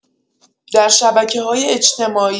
در شبکه‌های اجتماعی